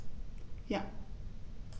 Ja.